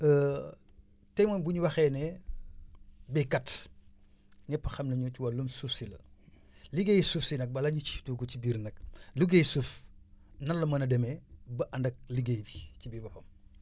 tey moom bu ñu waxee ne baykat ñëpp xam na ñu ne ci wàllum suuf si la liggéeyu suuf si nag bala ñu siy dugg si biir nag liggéeyu suuf nan la mën a demee ba ànd ak liggéey bi ci biir boppam